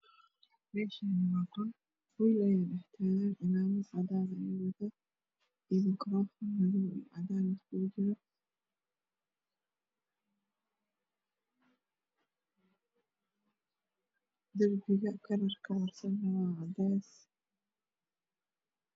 Meeshaan waa qol wiil ayaa dhex taagan cimaamad cadaana ayuu wataa iyo makarafoon madow cadaan iskugu jira darbiga kalarka marsane waa cadays.